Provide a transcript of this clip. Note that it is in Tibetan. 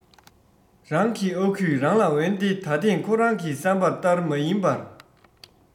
རང གི ཨ ཁུས རང ལ འོན ཏེ ད ཐེངས ཁོ རང གི བསམ པ ཏར མ ཡིན པར